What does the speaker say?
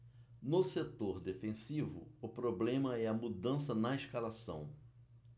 no setor defensivo o problema é a mudança na escalação